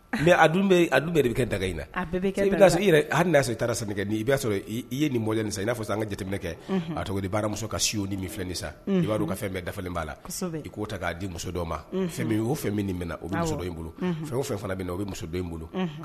Mɛ de bɛ kɛ daga in i hali n'a i taara san kɛ ni i b'a sɔrɔ i ye nin bɔ nin i n'a fɔ' an ka jate tɛmɛminɛ kɛ a tɔgɔ di baramuso ka si ni min fɛn sa i b'a ka fɛn dafa' la i k'o ta k'a di muso dɔ ma o fɛn nin minɛ o bɛ bolo fɛn o fɛn min na o bɛ muso bolo